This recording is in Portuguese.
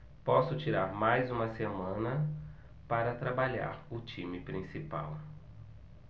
posso tirar mais uma semana para trabalhar o time principal